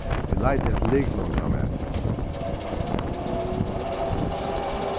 eg leiti eftir lyklunum hjá mær